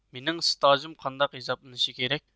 مېنىڭ سىتاژىم قانداق ھېسابلىنىشى كېرەك